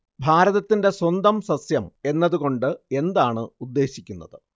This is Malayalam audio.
ഭാരതത്തിന്റെ സ്വന്തം സസ്യം എന്നതു കൊണ്ട് എന്താണ് ഉദ്ദേശിക്കുന്നത്